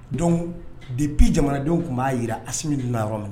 Dɔnku bi bi jamanadenw tun b'a jirara ami bɛ yɔrɔ min na